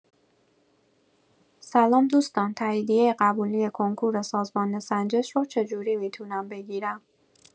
سلام دوستان، تاییدیه قبولی کنکور سازمان سنجش رو چجوری می‌تونم بگیرم؟